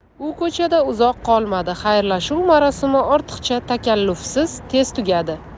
u ko'chada uzoq qolmadi xayrlashuv marosimi ortiqcha takallufsiz tez tugadi